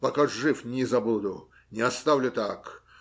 Пока жив, не забуду, не оставлю так.